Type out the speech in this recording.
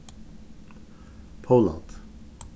pólland